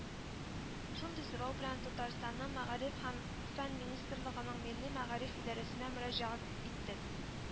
Шундый сорау белән Татарстанның Мәгариф һәм фән Министрлыгының милли мәгариф идарәсенә мөрәҗәгать иттек